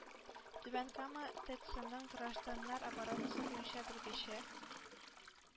Түбән Кама тэцының гражданнар оборонасы буенча белгече,